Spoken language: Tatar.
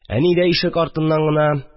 Әни дә ишек артыннан гына